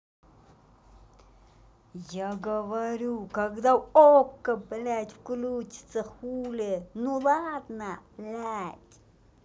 я говорю когда okko блядь включится хуле ну ладно блядь